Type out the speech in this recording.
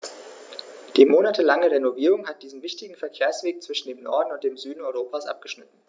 Die monatelange Renovierung hat diesen wichtigen Verkehrsweg zwischen dem Norden und dem Süden Europas abgeschnitten.